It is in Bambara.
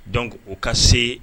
Dɔnc o ka se